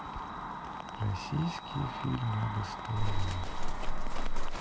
российские фильмы об истории